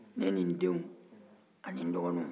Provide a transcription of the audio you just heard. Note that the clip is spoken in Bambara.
ne ni n denw ani n dɔgɔninw